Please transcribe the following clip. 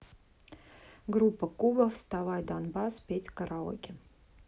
группа куба вставай донбасс петь караоке